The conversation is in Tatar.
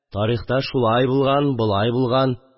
Тарихта шулай булган, болай булган